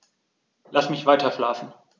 Lass mich weiterschlafen.